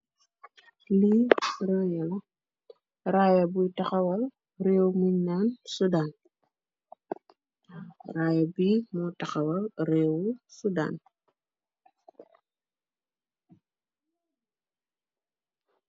Li rayeh la, rayeh buy taxawal rew buñ nan Sudan. Rayeh bi mu taxawal rew wu Sudan.